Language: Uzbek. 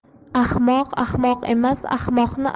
ahmoq ahmoq emas